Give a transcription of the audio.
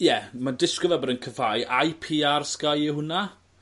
ie ma' disgwyl fel bo' fe'n cryhau ai Pee Are Sky yw hwnna?